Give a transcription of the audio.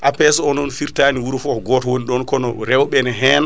APS o non firtani wuuro fo ko goto woni ɗon kono rewɓe ne hen